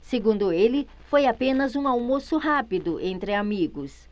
segundo ele foi apenas um almoço rápido entre amigos